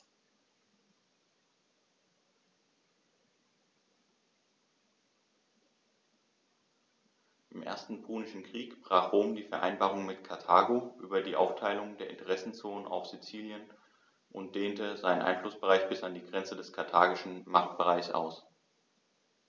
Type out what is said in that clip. Im Ersten Punischen Krieg brach Rom die Vereinbarung mit Karthago über die Aufteilung der Interessenzonen auf Sizilien und dehnte seinen Einflussbereich bis an die Grenze des karthagischen Machtbereichs aus.